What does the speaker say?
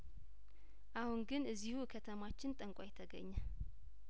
አሁን ግን እዚሁ እከተማችን ጠንቋይ ተገኘ